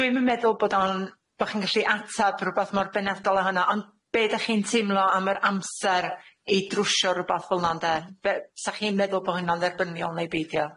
Dwi'm yn meddwl bod o'n bo' chi'n gallu atab rwbath mor benedol â hwnna ond, be' dach chi'n teimlo am yr amser i drwsio rwbath felna ynde, be' sa chi'n meddwl bo' hynna'n dderbyniol neu beidio?